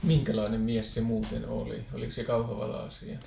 minkälainen mies se muuten oli oliko se kauhavalaisia